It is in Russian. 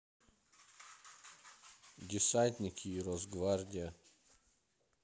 десантники и росгвардия